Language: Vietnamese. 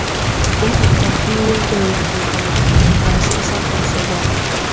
bố mẹ chồng kiwi đều là người ngoài bắc vào sinh sống tại sài gòn